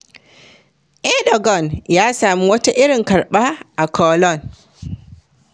Erdogan ya sami wata irin karɓa a Cologne